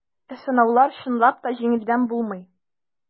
Ә сынаулар, чынлап та, җиңелдән булмый.